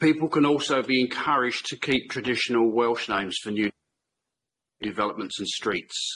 People can also be encouraged to keep traditional Welsh names for new developments and streets.